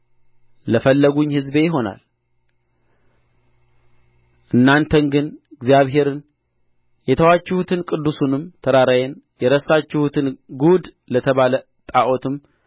ለፈልጉኝ ሕዝቤ ይሆናል እናንተን ግን እግዚአብሔርን የተዋችሁትን ቅዱሱንም ተራራዬን የረሳችሁትን ጉድ ለተባለ ጣዖትም